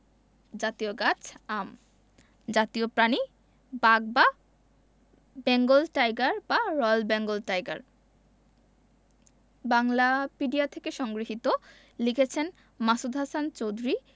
জাতীয় গাছঃ আম জাতীয় প্রাণীঃ বাঘ বা বেঙ্গল টাইগার বা রয়েল বেঙ্গল টাইগার বাংলাপিডিয়া থেকে সংগৃহীত লিখেছেন মাসুদ হাসান চৌধুরী